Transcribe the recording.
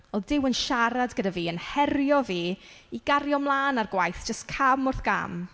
Oedd Duw yn siarad gyda fi yn herio fi i gario mlaen ar gwaith jyst cam wrth gam.